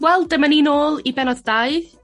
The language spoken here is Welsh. Wel dyma ni nôl i benod dau.